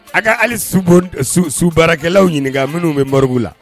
A ka hali su baarakɛlaw ɲininka minnu bɛ moriw la